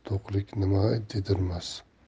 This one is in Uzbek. to'qlik nima dedirmas